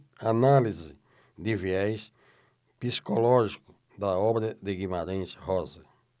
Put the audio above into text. análise de viés psicológico da obra de guimarães rosa